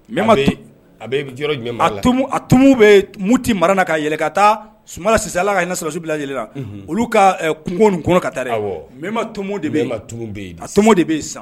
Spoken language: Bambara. Mɛma tun , a bɛ a bɛ yɔrɔ jumɛn mara la?A tomo a tomo bɛ Moti mara la, ka yɛlɛ ka taa Sumayila Sise, Ala ka hinɛ sɔrɔdasi bɛɛ lajɛlen la, unhun, olu ka ɛ kungo ni kɔnɔ ka taa dɛ, awɔ, Mɛma tomo de bɛ yen, Mɛma tomo de bɛ, a tomo bɛ yen sisan.